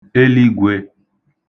eligwē